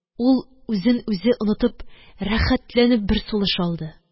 Ул үзен үзе онытып, рәхәтләнеп бер сулыш алды.